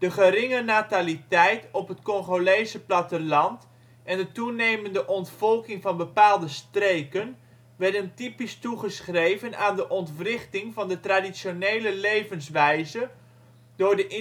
geringe nataliteit op het Congolese platteland en de toenemende ontvolking van bepaalde streken werden typisch toegeschreven aan de ontwrichting van de traditionele levenswijze door de industrialisatie